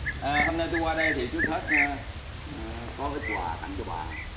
ờ hôm nay tôi qua đây thì trước hết ơ có ít quà tặng cho bà